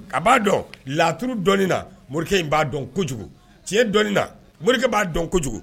A b'a dɔn laturu dɔ na morikɛ in b'a dɔn kojugu tiɲɛ dɔi na morikɛ b'a dɔn kojugu